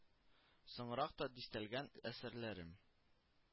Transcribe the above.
Соңрак та дистәләгән әсәрләрем